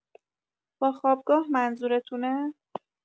با خوابگاه منظورتونه؟